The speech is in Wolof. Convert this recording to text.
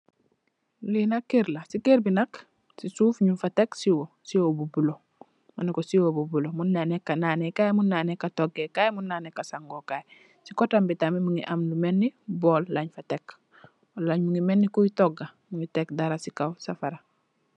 Lii nak kerr la, cii kerr bii nak, cii suff njung fa tek siyoh, siyoh bu bleu, maneh kor siyoh bu bleu, mun naa neka naaneh kaii, mun naa neka tohgeh kaii, mun naa neka sangoh kaii, chi cotehm bii tamit mungy amni lu melni borl len fa tek, wala njungy melni kuiy tohgah, nju tek dara cii kaw safara.